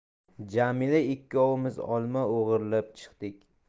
jamila ikkovimiz olma o'g'irlab chiqdik